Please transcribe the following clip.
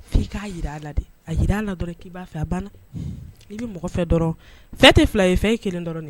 K' k'a jira a la dɛ a jira a la dɔrɔn k'i'a fɛ a banna i bɛ mɔgɔ fɛ dɔrɔn tɛ fila ye fɛn ye kelen dɔrɔn nin ye